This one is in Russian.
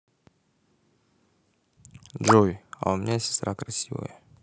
джой а у меня сестра красивая